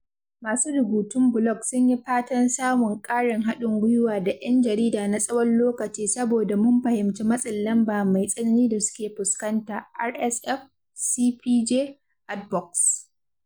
Masu rubutun blog sun yi fatan samun ƙarin haɗin gwiwa da ‘yan jarida na tsawon lokaci saboda mun fahimci matsin lamba mai tsanani da suke fuskanta (RSF, CPJ, Advox).